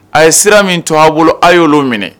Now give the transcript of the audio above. A ye sira min tun b'a bolo a y' minɛ